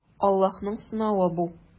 Аллаһның сынавы бу.